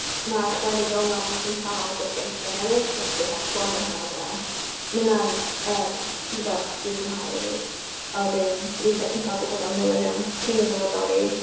Ma' rhaglenni fel 'na, lle ti'n cael dysgu am pethau newydd 'sech chdi heb clywed amdano blaen. Ma' hynna'n, yym, rywbeth dwi'n mwynhau hefyd. A wedyn weithiau ti'n cael gwybod am newyddion cyn iddo fo dorri.